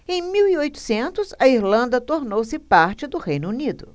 em mil e oitocentos a irlanda tornou-se parte do reino unido